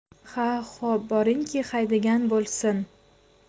ha xo'p boringki haydagan bo'lsin